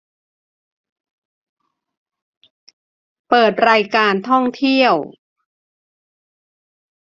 เปิดรายการท่องเที่ยว